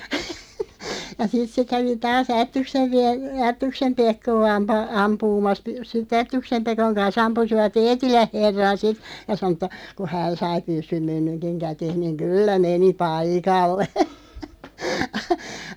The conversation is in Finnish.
ja sitten se kävi taas Ättyksen - Ättyksen Pekkoa - ampumassa sitten Ättyksen Pekon kanssa ampuivat Eetilän herran sitten ja sanoi että kun hän sai pyssyn käteensä niin kyllä meni paikalle